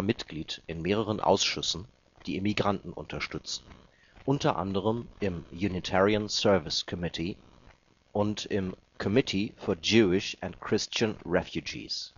Mitglied in mehreren Ausschüssen, die Emigranten unterstützten, unter anderem im Unitarian Service Committee und im Committee for Jewish and Christian Refugees.